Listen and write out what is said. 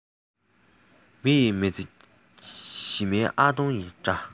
མི ཡིས མི ཚེ ཞི མིའི ཨ སྟོང འདྲ